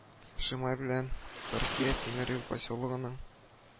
Шимай белән Фәрхия тимер юл поселогының